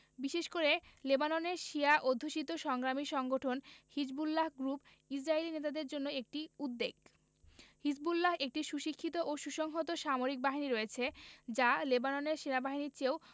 বিশেষ করে লেবাননের শিয়া অধ্যুষিত সংগ্রামী সংগঠন হিজবুল্লাহ গ্রুপ ইসরায়েলি নেতাদের জন্য একটি উদ্বেগ হিজবুল্লাহর একটি সুশিক্ষিত ও সুসংহত সামরিক বাহিনী রয়েছে যা লেবাননের সেনাবাহিনীর চেয়ে